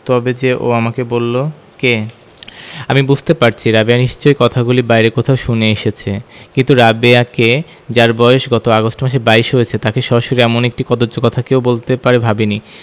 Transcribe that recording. তবে যে ও আমাকে বললো কে আমি বুঝতে পারছি রাবেয়া নিশ্চয়ই কথাগুলি বাইরে কোথাও শুনে এসেছে কিন্তু রাবেয়াকে যার বয়স গত আগস্ট মাসে বাইশ হয়েছে তাকে সরাসরি এমন একটি কদৰ্য কথা কেউ বলতে পারে ভাবিনি